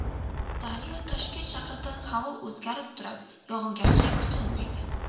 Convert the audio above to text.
daryo toshkent shahrida havo o'zgarib turadi yog'ingarchilik kutilmaydi